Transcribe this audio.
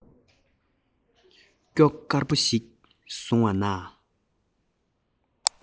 སྐྱོགས དཀར པོ ཞིག བཟུང བ དང